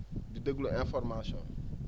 di déglu information yi